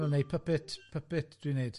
Wel, wneud puppet, puppet dwi'n wneud.